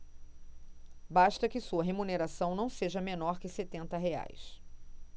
basta que sua remuneração não seja menor que setenta reais